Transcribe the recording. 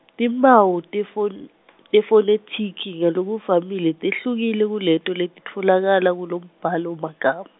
timphawu tefon- tefonethiki ngalokuvamile tehlukile kuleto letitfolakala kumbhalomagam-.